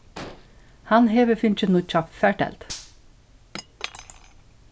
hann hevur fingið nýggja farteldu